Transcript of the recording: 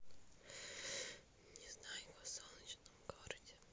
незнайка в солнечном городе